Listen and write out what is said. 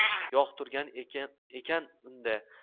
yog' turgan ekan unda